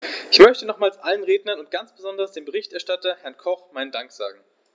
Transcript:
Ich möchte nochmals allen Rednern und ganz besonders dem Berichterstatter, Herrn Koch, meinen Dank sagen.